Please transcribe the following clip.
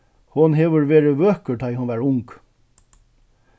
hon hevur verið vøkur tá ið hon var ung